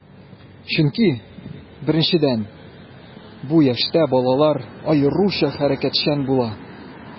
Чөнки, беренчедән, бу яшьтә балалар аеруча хәрәкәтчән була.